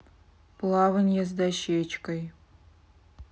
плавание с дощечкой